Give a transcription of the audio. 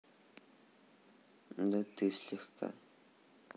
да ты слегка